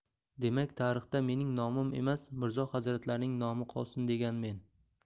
demak tarixda mening nomim emas mirzo hazratlarining nomi qolsin deganmen